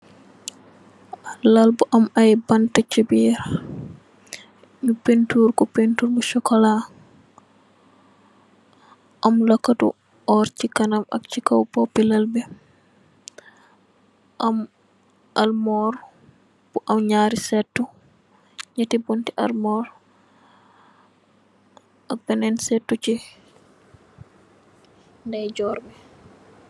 Lal bu am ay bant si birr, ñu pentir ko pentir bu socola, am loketu orr ci kanam ak ĉi kaw bopi lal bi. Am almor bu am ñari seetu, ñetti buntu armor ak benen seetu si ndey jorbi.